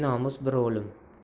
nomus bir o'lim